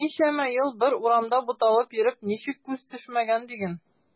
Ничәмә ел бер урамда буталып йөреп ничек күз төшмәгән диген.